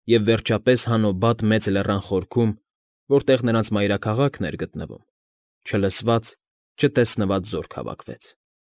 Եվ, վերջապես, Հանոբադ մեծ լեռան խորքում, որտեղ նրանց մայրաքաղաքն էր գտնվում, չլսված, չտեսնված զորք հավաքվեց։